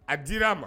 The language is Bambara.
A di' a ma